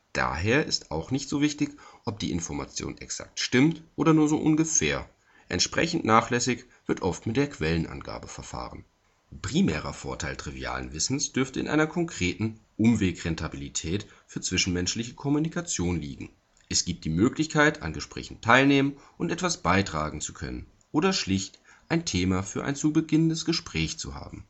Daher ist auch nicht so wichtig, ob die Information exakt stimmt oder nur ungefähr; entsprechend nachlässig wird oft mit der Quellenangabe verfahren. Primärer Vorteil trivialen Wissens dürfte in einer konkreten „ Umwegrentabilität “für zwischenmenschliche Kommunikation liegen: Es gibt die Möglichkeit, an Gesprächen teilnehmen und etwas beitragen zu können, oder schlicht ein Thema für ein zu beginnendes Gespräch zu haben